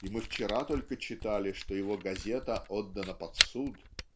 и мы вчера только читали, что его газета отдана под суд.